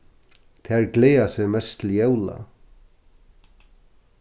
tær gleða seg mest til jóla